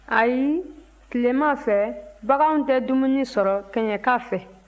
ayi tilema fɛ baganw tɛ dumuni sɔrɔ kɛɲɛka fɛ